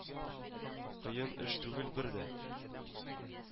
Кыен эш түгел бер дә